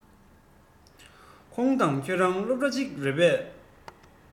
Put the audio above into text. ཁོང དང ཁྱོད རང སློབ གྲྭ གཅིག རེད པས